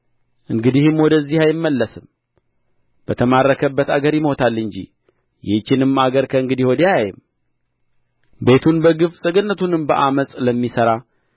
እንግዲህም ወደዚህ አይመለስም በተማረከባት አገር ይሞታል እንጂ ይህችንም አገር ከእንግዲህ ወዲህ አያይም ቤቱን በግፍ ሰገነቱንም በዓመፅ ለሚሠራ